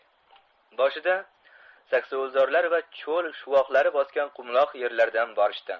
boshida saksovulzorlar va cho'l shuvoqlari bosgan qumloq yerlardan borishdi